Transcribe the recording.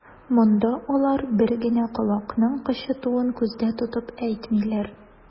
Монда алар бер генә колакның кычытуын күздә тотып әйтмиләр.